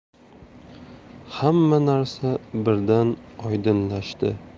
hamma narsa birdan oydinlashdi